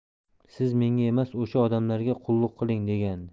siz menga emas o'sha odamlarga qulluq qiling degandi